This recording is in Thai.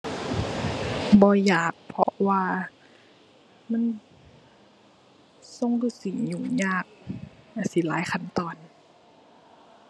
บ่อยาก เพราะว่ามันทรงคือสิยุ่งยาก อาจสิหลายขั้นตอน